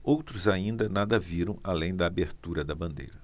outros ainda nada viram além da abertura da bandeira